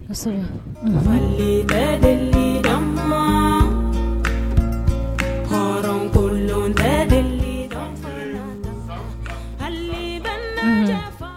Fa deli lamɔɔrɔnkolon tɛ deli hali le